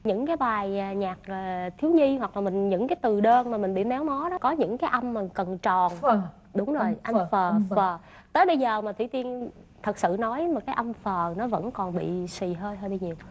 những cái bài nhạc thiếu nhi hoặc là mình những cái từ đơn mà mình bị méo mó đó có những cái âm mà cần tròn đúng rồi âm phờ phờ tới bây giờ mà thủy tiên thật sự nói mà cái âm phờ nó vẫn còn bị xì hơi hơi nhiều